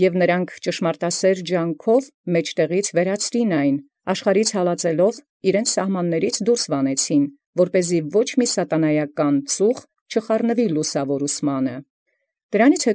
Եւ նոցա ճշմարտասէր փութով զայն ի միջոյ բարձեալ՝ աշխարհահալած արտաքոյ իւրեանց սահմանացն մերժեցին, զի մի՛ ի լուսաւոր վարդապետութիւնն ծուխ ինչ սատանայական յարիցէ։